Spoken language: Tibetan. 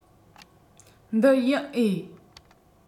འདི ཡིན འོས